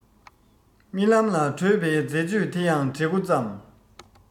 རྨི ལམ ལ བྲོད པའི མཛེས དཔྱོད དེ ཡང བྲི འགོ བརྩམས